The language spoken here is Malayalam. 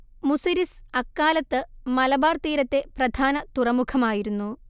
മുസിരിസ് അക്കാലത്ത് മലബാർ തീരത്തെ പ്രധാന തുറമുഖമായിരുന്നു